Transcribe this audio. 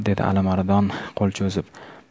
dedi alimardon qo'l cho'zib